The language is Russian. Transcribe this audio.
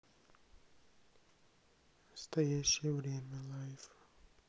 настоящее время лайф